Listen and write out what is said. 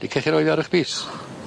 Di cechi roi fe ar 'ych bys?